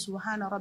Su hauna